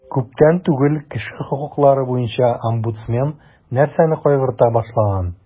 Күптән түгел кеше хокуклары буенча омбудсмен нәрсәне кайгырта башлаган?